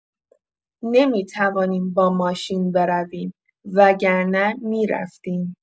نمی‌توانیم با ماشین برویم، وگرنه می‌رفتیم.